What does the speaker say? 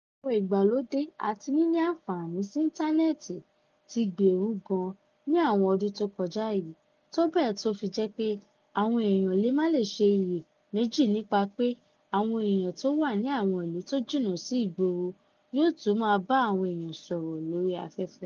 Ọ̀na ẹ̀rọ ìgbàlódé àti nínì àǹfààaní sí íntànẹ́ẹ̀tì ti gbeèrù gan ní àwọn ọdún tó kọja yìí tó bẹ́ẹ̀ tó fi jẹ́ pé àwọn eèyàn lè má lè ṣe iyèméjì nípa pé àwọn eèyàn tó wà ní àwọn ìlú tó jìnnà sí ìgboro yóò tó máà bá àwọn eèyàn sọ̀rọ̀ lórí afẹ́fẹ́.